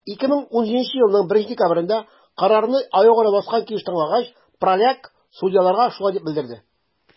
2017 елның 1 декабрендә, карарны аягүрә баскан килеш тыңлагач, праляк судьяларга шулай дип белдерде: